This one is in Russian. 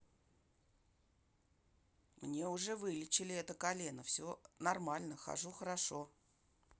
мне уже вылечили это колено все нормально хожу хорошо